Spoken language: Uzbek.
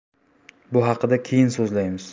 bu haqda keyin so'zlaymiz